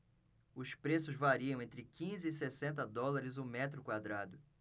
os preços variam entre quinze e sessenta dólares o metro quadrado